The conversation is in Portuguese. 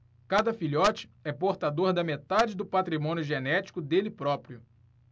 cada filhote é portador da metade do patrimônio genético dele próprio